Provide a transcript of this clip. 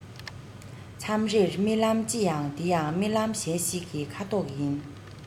མཚམས རེར རྨི ལམ ཅི ཡང དེ ཡང རྨི ལམ གཞན ཞིག གི ཁ དོག ཡིན